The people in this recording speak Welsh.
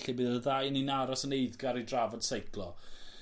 ...lle bydd y ddau o ni'n aros yn eiddgar i drafod seiclo.